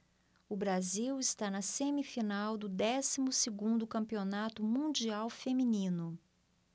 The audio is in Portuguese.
o brasil está na semifinal do décimo segundo campeonato mundial feminino